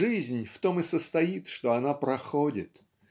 Жизнь в том и состоит, что она проходит.